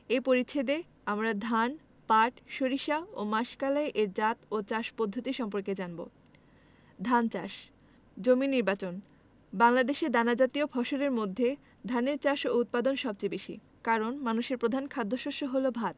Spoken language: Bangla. এ পরিচ্ছেদে আমরা ধান পাট সরিষা ও মাসকলাই এর জাত ও চাষ পদ্ধতি সম্পর্কে জানব ধান চাষ জমি নির্বাচনঃ বাংলাদেশে দানাজাতীয় ফসলের মধ্যে ধানের চাষ ও উৎপাদন সবচেয়ে বেশি কারন মানুষের প্রধান খাদ্যশস্য হলো ভাত